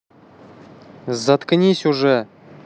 заткнись уже